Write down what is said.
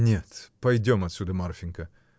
— Нет, пойдем отсюда, Марфинька!